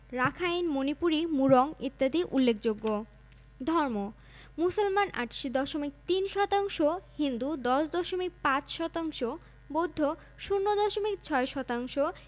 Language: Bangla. রাখাইন মণিপুরী মুরং ইত্যাদি উল্লেখযোগ্য ধর্ম মুসলমান ৮৮দশমিক ৩ শতাংশ হিন্দু ১০দশমিক ৫ শতাংশ বৌদ্ধ ০ দশমিক ৬ শতাংশ